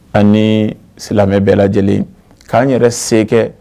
Ani silamɛ bɛɛ lajɛlen k'an yɛrɛ se kɛ